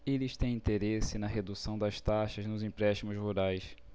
eles têm interesse na redução das taxas nos empréstimos rurais